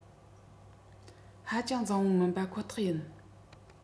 ཧ ཅང བཟང བོ མིན པ ཁོ ཐག ཡིན